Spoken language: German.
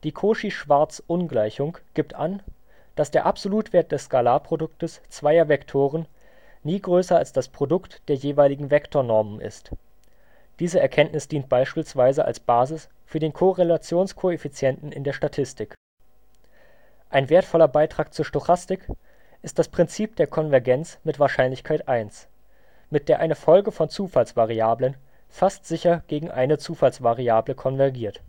Cauchy-Schwarz-Ungleichung gibt an, dass der Absolutwert des Skalarproduktes zweier Vektoren nie größer als das Produkt der jeweiligen Vektornormen ist. Diese Erkenntnis dient beispielsweise als Basis für den Korrelationskoeffizienten in der Statistik. Ein wertvoller Beitrag zur Stochastik ist das Prinzip der Konvergenz mit Wahrscheinlichkeit 1, mit der eine Folge von Zufallsvariablen fast sicher gegen eine Zufallsvariable konvergiert